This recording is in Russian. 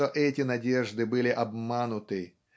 что эти надежды были обмануты